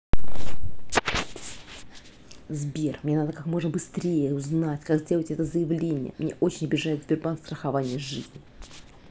сбер мне надо как можно быстрее узнать как сделать это заявление мне очень обижает сбербанк страхование жизни